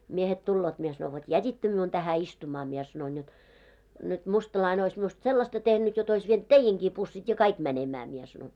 miehet tulevat minä sanoin vot jätitte minun tähän istumaan minä sanoin jotta nyt mustalainen olisi minusta sellaista tehnyt jotta olisi vienyt teidänkin pussit ja kaikki menemään minä sanoin